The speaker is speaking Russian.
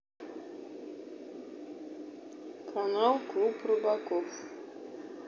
канал клуб рыбаков